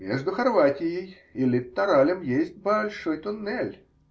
Между Хорватией и Литторалем есть большой туннель.